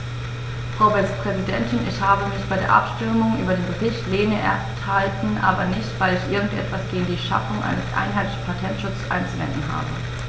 Frau Präsidentin, ich habe mich bei der Abstimmung über den Bericht Lehne enthalten, aber nicht, weil ich irgend etwas gegen die Schaffung eines einheitlichen Patentschutzes einzuwenden habe.